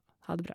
Ha det bra.